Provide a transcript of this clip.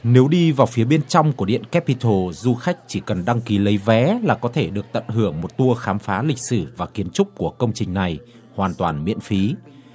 nếu đi vào phía bên trong của điện kép pi thồ du khách chỉ cần đăng ký lấy vé là có thể được tận hưởng một tua khám phá lịch sử và kiến trúc của công trình này hoàn toàn miễn phí